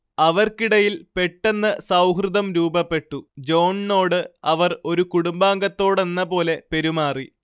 അവർക്കിടയിൽ പെട്ടെന്ന് സൗഹൃദം രൂപപ്പെട്ടു ജോൺണോട് അവർ ഒരു കുടുംബാംഗത്തോടെന്നപോലെ പെരുമാറി